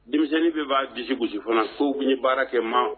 Denmisɛnninnin bɛ b'a bisimila gosisu fana ko bɛ ni baara kɛ ma